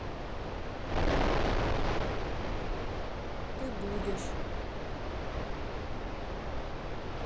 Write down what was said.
ты будешь